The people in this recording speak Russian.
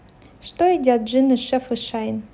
что едят джины шеф и шайн